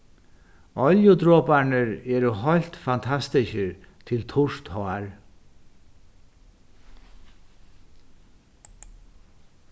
oljudroparnir eru heilt fantastiskir til turt hár